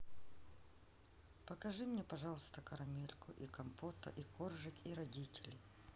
покажи мне пожалуйста карамельку и компота и коржик и родители